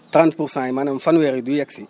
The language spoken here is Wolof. trente pour cent yi maanaam fanweer yi du yegg si